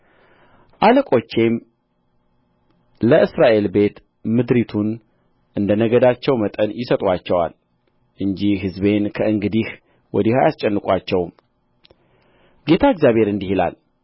አለቆቼም ለእስራኤል ቤት ምድሪቱን እንደ ነገዳቸው መጠን ይሰጡአቸዋል እንጂ ሕዝቤን ከእንግዲህ ወዲህ አያስጨንቋቸውም ጌታ እግዚአብሔር እንዲህ ይላል